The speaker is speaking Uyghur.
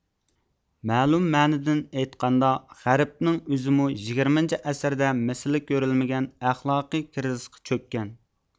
مەلۇم مەنىدىن ئېيتقاندا غەربنىڭ ئۆزىمۇ يىگىرمىنچى ئەسىردە مىسلى كۆرۈلمىگەن ئەخلاقىي كرىزىسقا چۆككەن